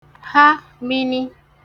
ha mini